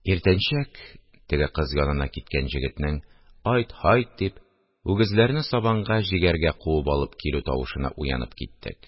Иртәнчәк теге кыз янына киткән җегетнең, «айт, һайт» дип, үгезләрне сабанга җигәргә куып алып килү тавышына уянып киттек